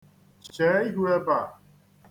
Chee ihu ebe a.